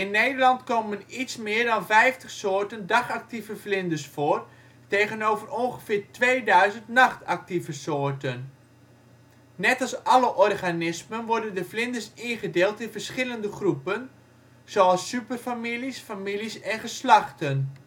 Nederland komen iets meer dan 50 soorten dagactieve vlinders voor, tegenover ongeveer 2000 nachtactieve soorten. Net als alle organismen worden de vlinders ingedeeld in verschillende groepen, zoals superfamilies, families en geslachten